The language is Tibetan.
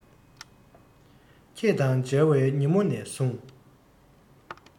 ཁྱེད དང མཇལ བའི ཉིན མོ ནས བཟུང